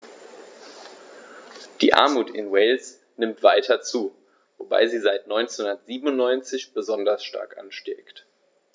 Die Armut in Wales nimmt weiter zu, wobei sie seit 1997 besonders stark ansteigt.